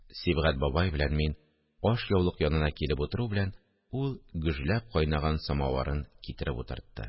Сибгать бабай белән мин ашъяулык янына килеп утыру белән, ул гөжләп кайнаган самавырын китереп утыртты